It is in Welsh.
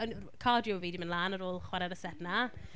Ond, cardio fi 'di mynd lan, ar ôl chwarae ar y set 'na.